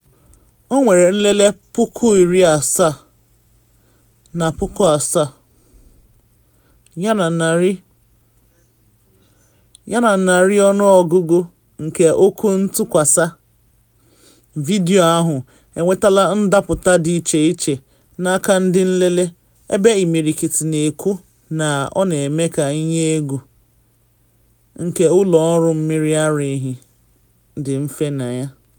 Ọ nwere nlele 77,000 yana narị ọnụọgụ nke okwu ntụkwasa, vidio ahụ enwetala ndapụta dị iche iche n’aka ndị nlele, ebe imirikiti na ekwu na ọ na eme ka “ihe egwu” nke ụlọ ọrụ mmiri ara ehi dị mfe n’anya.